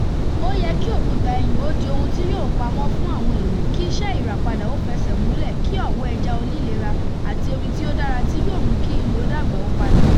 Ó yẹ kí òkúta iyùn ó di ohun tí yóò pamọ́ fún àwọn èrò, kí iṣẹ́ ìràpadà ó fẹsẹ̀ múlẹ̀ kí ọ̀wọ́ ẹja onílera àti omi tí ó dára tí yóò mú kí iyùn ó dàgbà ó padà.